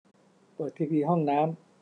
เปิดทีวีห้องน้ำ